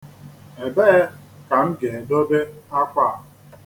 Ebee ka m ga-edobe akwa a?